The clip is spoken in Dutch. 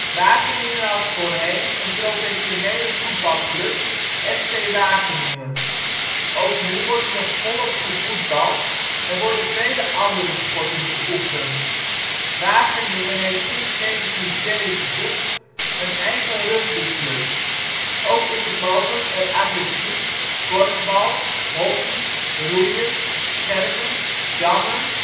Wageningen had voorheen een professionele voetbalclub, FC Wageningen. Ook nu wordt er nog volop gevoetbald en worden vele andere sporten beoefend. Wageningen heeft sinds 1970 een eigen rugbyclub. Ook is het mogelijk er atletiek, korfbal, hockey, roeien, schermen, dammen